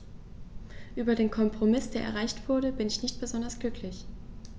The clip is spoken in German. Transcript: Über den Kompromiss, der erreicht wurde, bin ich nicht besonders glücklich.